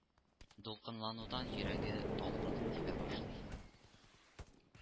Дулкынланудан йөрәге талпынып тибә башлый…